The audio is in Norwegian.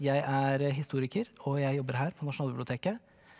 jeg er historiker og jeg jobber her på Nasjonalbiblioteket.